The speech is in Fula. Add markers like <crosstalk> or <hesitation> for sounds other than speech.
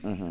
<hesitation> <hesitation>